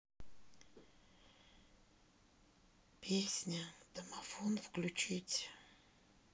песня домофон включить